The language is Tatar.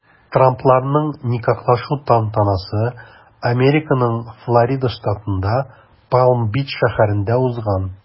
Трампларның никахлашу тантанасы Американың Флорида штатында Палм-Бич шәһәрендә узган.